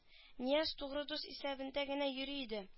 Нияз тугры дус исәбендә генә йөри иде